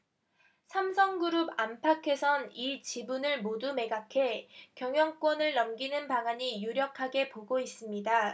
삼성그룹 안팎에선 이 지분을 모두 매각해 경영권을 넘기는 방안이 유력하게 보고 있습니다